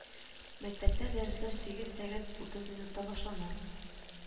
Мәктәптә дәресләр сигез сәгать утыз минутта башлана